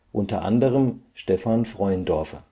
unter anderem Stephan Freundorfer